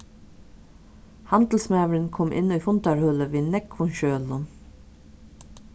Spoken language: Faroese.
handilsmaðurin kom inn í fundarhølið við nógvum skjølum